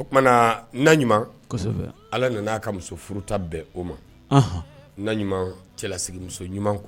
Oumana na ɲuman ala nana'a ka muso furu bɛn o ma na ɲuman cɛlasigi ɲuman